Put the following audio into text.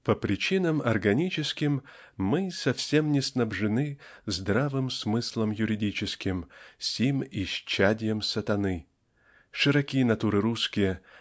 По причинам органическим Мы совсем не снабжены Здравым смыслом юридическим Сим исчадьем сатаны. Широки натуры русские